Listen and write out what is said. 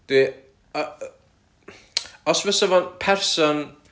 dwi... yy os fysa fo'n person